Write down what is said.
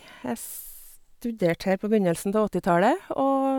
Jeg studerte her på begynnelsen ta åttitallet, og...